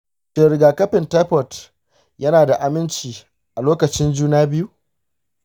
shin rigakafin taifoid yana da aminci a lokacin juna biyu?